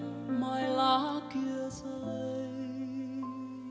mai lá kia rơi